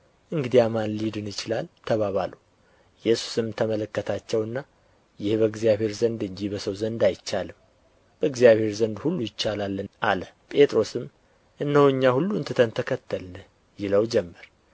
እንግዲያ ማን ሊድን ይችላል ተባባሉ ኢየሱስም ተመለከታቸውና ይህ በእግዚአብሔር ዘንድ እንጂ በሰው ዘንድ አይቻልም በእግዚአብሔር ዘንድ ሁሉ ይቻላልና አለ ጴጥሮስም እነሆ እኛ ሁሉን ትተን ተከተልንህ ይለው ጀመር